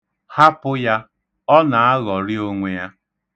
Hapụ ya, ọ na-aghọrị onwe ya.